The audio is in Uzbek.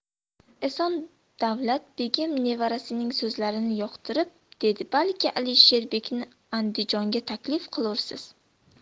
eson davlat begim nevarasining so'zlarini yoqtirib dedi balki alisherbekni andijonga taklif qilursiz